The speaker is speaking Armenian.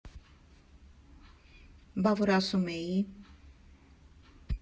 Բա որ ասում էի՜